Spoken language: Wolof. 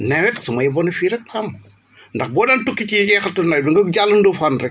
nawet su ma yeboo ne fii rek a ko am ndax boo daan tukki ci njeexitalu nawet bi nga jàll Ndofane rek